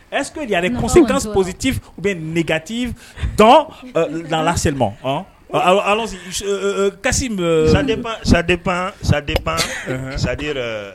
Ɛsseke ale kosi kapsiti u bɛ nɛgɛti dɔn lala se ma kasisi zan sa de pan saden pan sadi